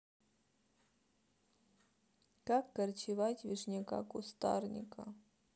как корчевать вишняка кустарника